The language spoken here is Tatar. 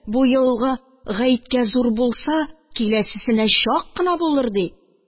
Бу елгы гаеткә зур булса, киләсесенә чак булыр», – ди.